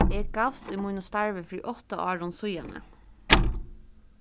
eg gavst í mínum starvi fyri átta árum síðani